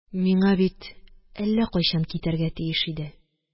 Миңа бит әллә кайчан китәргә тиеш иде.